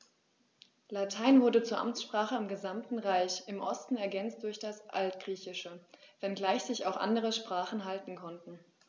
Latein wurde zur Amtssprache im gesamten Reich (im Osten ergänzt durch das Altgriechische), wenngleich sich auch andere Sprachen halten konnten.